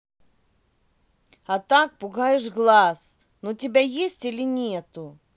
а так пугаешь глазу н у тебя есть или нету